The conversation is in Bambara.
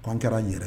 Ko an kɛra n yɛrɛ